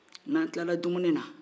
n'an kilala dumuni na